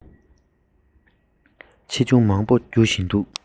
ཆེ ཆུང མང པོ རྒྱུ བཞིན འདུག